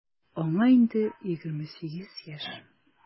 Аңа инде 28 яшь.